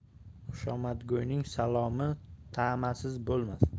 xushomadgo'yning salomi ta'masiz bo'lmas